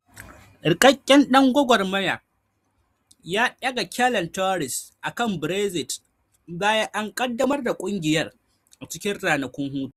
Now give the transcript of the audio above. Rikakken dan gwagwarmaya ya daga kyalen Tories akan Brexit bayan an kaddamar da kungiyar a cikin ranakun hutu.